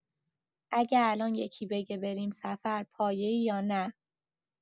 اگه الان یکی بگه بریم سفر، پایه‌ای یا نه؟